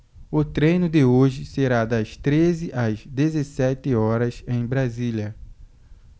o treino de hoje será das treze às dezessete horas em brasília